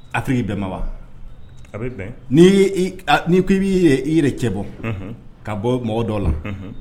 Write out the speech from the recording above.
A k'i bɛnba i b' i yɛrɛ cɛ bɔ ka bɔ mɔgɔ dɔ la